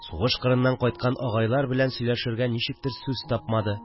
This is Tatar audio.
Сугыш кырыннан кайткан агайлар белән сөйләшергә ничектер сүз тапмады